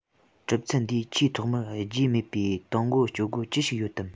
གྲུབ ཚུལ འདིའི ཆེས ཐོག མར རྒྱས མེད པའི དང མགོར སྤྱོད སྒོ ཅི ཞིག ཡོད དམ